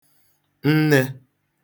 nnē